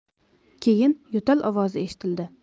keyin yo'tal ovozi eshitildi